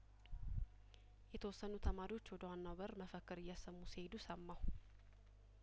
የተወሰኑ ተማሪዎች ወደዋናው በር መፈክር እያሰሙ ሲሄዱ ሰማሁ